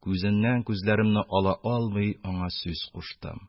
Күзеннән күзләремне ала алмый, аңа сүз куштым,